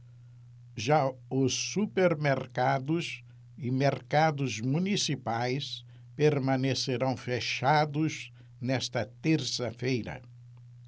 já os supermercados e mercados municipais permanecerão fechados nesta terça-feira